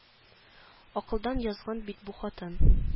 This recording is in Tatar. Акылдан язган бит бу хатын